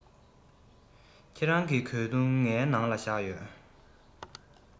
ཁྱེད རང གི གོས ཐུང ངའི ནང ལ བཞག ཡོད